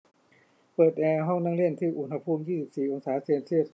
เปิดแอร์ห้องนั่งเล่นที่อุณหภูมิยี่สิบสี่องศาเซลเซียส